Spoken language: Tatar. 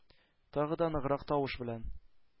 Тагы да ныграк тавыш белән: